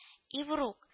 — ибрук